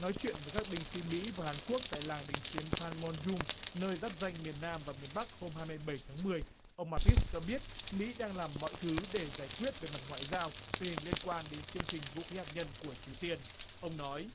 nói chuyện với các binh sĩ mỹ và hàn quốc tại làng đình chiến an mon dung nơi giáp ranh miền nam và miền bắc hôm hai mươi bảy tháng mười ông ma tít cho biết mỹ đang làm mọi thứ để giải quyết về mặt ngoại giao tình hình liên quan đến chương trình vũ khí hạt nhân của triều tiên ông nói